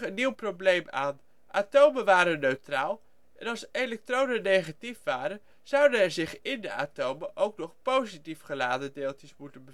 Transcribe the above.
nieuw probleem aan: atomen waren neutraal en als elektronen negatief waren, zouden er zich in atomen ook nog positief geladen deeltjes moeten